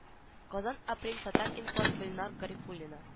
Казан апрель татар-информ гөлнар гарифуллина